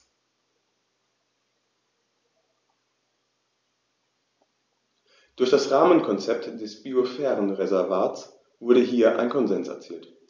Durch das Rahmenkonzept des Biosphärenreservates wurde hier ein Konsens erzielt.